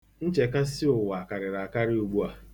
Nchekasị ụwa karịrị akarị ugbua.